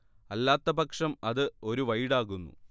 അല്ലാത്തപക്ഷം അത് ഒരു വൈഡാകുന്നു